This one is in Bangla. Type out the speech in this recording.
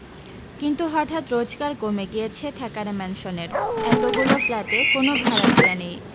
কিন্তু হঠাত রোজগার কমে গিয়েছে থ্যাকারে ম্যানসনের এতগুলো ফ্ল্যাটে কোনো ভাড়াটিয়া নেই